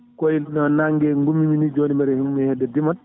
koye no nangue gummimi ni joni mbe